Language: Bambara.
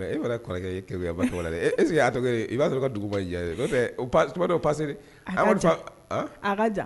E b'a sɔrɔ ka duguba jase